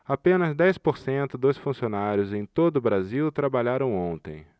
apenas dez por cento dos funcionários em todo brasil trabalharam ontem